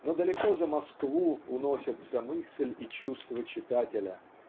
но далеко за Москву уносятся мысль и чувство читателя.